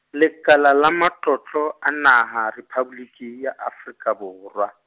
Lekala la Matlotlo a Naha, Rephaboliki ya Afrika Borwa.